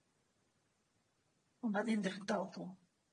Ma'n unfrydol.